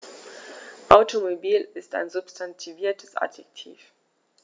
Automobil ist ein substantiviertes Adjektiv.